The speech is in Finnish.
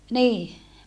niin